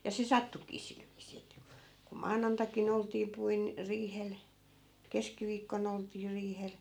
ja se sattuikin sillä viisiin että kun kun maanantaikin oltiin - riihellä keskiviikkona oltiin riihellä